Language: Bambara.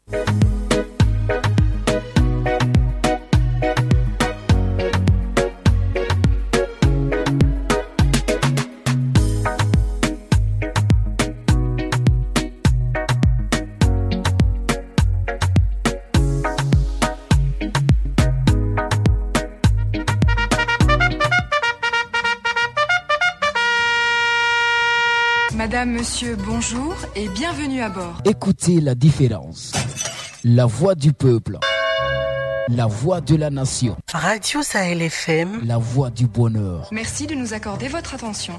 Mada subon bifba e ku tɛ yen ladi fɛ lafwaji boye bila lafwadolasi fagacisa yɛlɛ fɛn lawadibon mɛ si